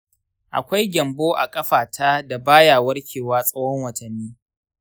akwai gyambo a kafata da baya warkewa tsawon watanni.